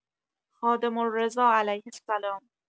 خادم‌الرضا علیه‌السلام